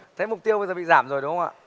thế mục tiêu bây giờ bị giảm rồi đúng không ạ